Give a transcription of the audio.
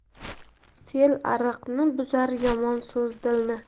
sel ariqni buzar yomon so'z dilni